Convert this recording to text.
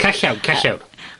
Call iawn, call iawn.